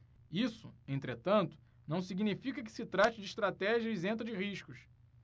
isso entretanto não significa que se trate de estratégia isenta de riscos